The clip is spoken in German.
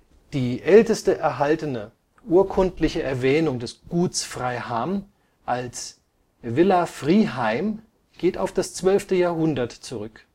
Die älteste erhaltene urkundliche Erwähnung des Guts Freiham als „ Villa Frihaim “geht auf das 12. Jahrhundert zurück